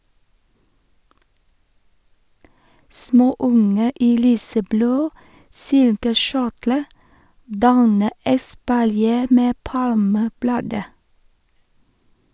Småunger i lyseblå silkekjortler danner espalier med palmeblader.